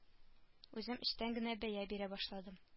Үзем эчтән генә бәя бирә башладым